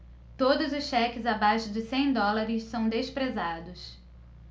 todos os cheques abaixo de cem dólares são desprezados